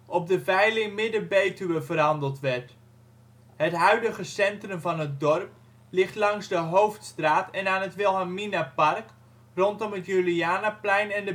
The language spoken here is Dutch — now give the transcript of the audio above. op de Veiling Midden Betuwe verhandeld werd. Het huidige centrum van het dorp ligt langs de Hoofdstraat en aan het Wilhelminapark, rondom het Julianaplein en